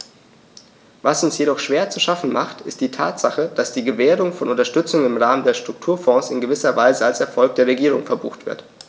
Was uns jedoch schwer zu schaffen macht, ist die Tatsache, dass die Gewährung von Unterstützung im Rahmen der Strukturfonds in gewisser Weise als Erfolg der Regierung verbucht wird.